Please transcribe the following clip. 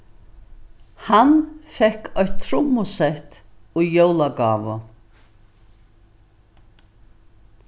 hann fekk eitt trummusett í jólagávu